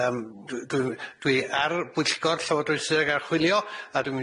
yym dwi dwi dwi ar bwyllgor llywodraethu ag archwilio a dwi'n